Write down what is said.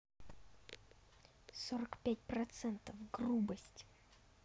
сорок пять процентов грубость